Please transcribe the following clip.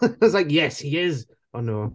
I was like "Yes he is!" O, no.